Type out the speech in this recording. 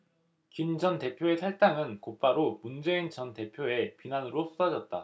김 전 대표의 탈당은 곧바로 문재인 전 대표의 비난으로 쏟아졌다